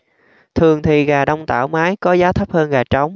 thường thì gà đông tảo mái có giá thấp hơn gà trống